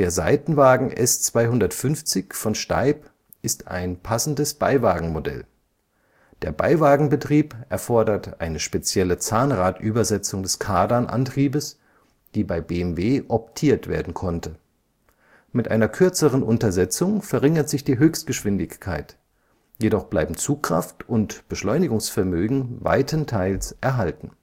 Seitenwagen S 250 von Steib ist ein passendes Beiwagenmodell. Der Beiwagenbetrieb erfordert eine spezielle Zahnradübersetzung des Kardanantriebes, die bei BMW optiert werden konnte: Mit einer kürzeren Untersetzung verringert sich die Höchstgeschwindigkeit, jedoch bleiben Zugkraft und Beschleunigungsvermögen weitenteils erhalten